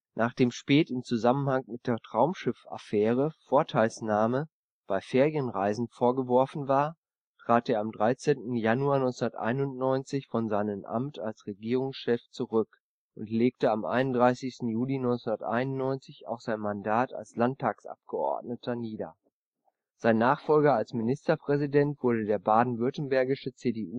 Nachdem Späth im Zusammenhang mit der „ Traumschiff-Affäre “Vorteilsnahme bei Ferienreisen vorgeworfen worden war, trat er am 13. Januar 1991 von seinem Amt als Regierungschef zurück und legte am 31. Juli 1991 auch sein Mandat als Landtagsabgeordneter nieder. Sein Nachfolger als Ministerpräsident wurde der baden-württembergische CDU-Fraktionsvorsitzende